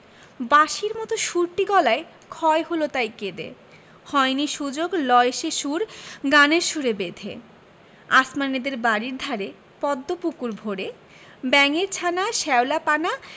বাঁশির মতো সুরটি গলায় ক্ষয় হল তাই কেঁদে হয়নি সুযোগ লয় সে সুর গানের সুরে বেঁধে আসমানীদের বাড়ির ধারে পদ্ম পুকুর ভরে ব্যাঙের ছানা শ্যাওলা পানা